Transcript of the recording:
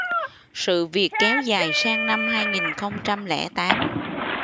sự việc kéo dài sang năm hai nghìn không trăm lẻ tám